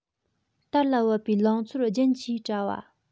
དར ལ བབ པའི ལང ཚོར རྒྱན གྱིས བཀྲ བ